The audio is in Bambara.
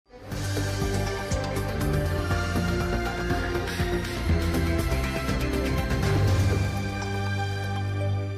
Wa